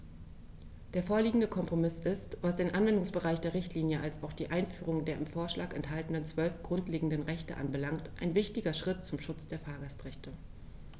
Der vorliegende Kompromiss ist, was den Anwendungsbereich der Richtlinie als auch die Einführung der im Vorschlag enthaltenen 12 grundlegenden Rechte anbelangt, ein wichtiger Schritt zum Schutz der Fahrgastrechte.